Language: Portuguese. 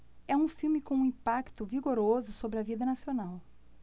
é um filme com um impacto vigoroso sobre a vida nacional